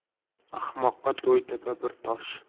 ahmoqqa to'ytepa bir tosh